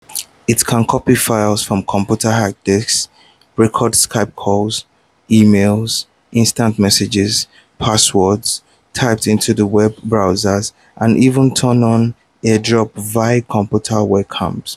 It can copy files from a computer’s hard disk, record Skype calls, e-mails, instant messages, passwords typed into a web browser, and even turn on and eavesdrop via a computer's webcam.